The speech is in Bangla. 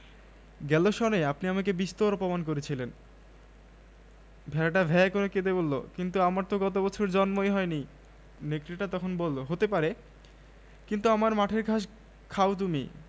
গেল সনে আপনি আমাকে বিস্তর অপমান করেছিলেন ভেড়াটা ভ্যাঁ করে কেঁদে ফেলল কিন্তু আমার তো গত বছর জন্মই হয়নি নেকড়েটা তখন বলে হতে পারে কিন্তু আমার মাঠের ঘাস খাও তুমি